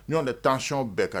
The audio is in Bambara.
Ɲɔɔn tɛ taacɔn bɛɛ ka